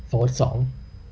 โฟธสอง